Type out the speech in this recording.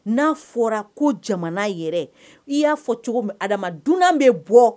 Na fɔra ko jamana yɛrɛ. I ya fɔ cogo min Adama dunan be bɔ.